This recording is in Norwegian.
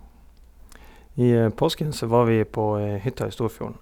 I påsken så var vi på hytta i Storfjorden.